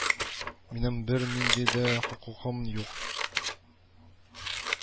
Минем бернинди дә хокукым юк